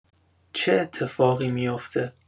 چه اتفاقی می‌افته؟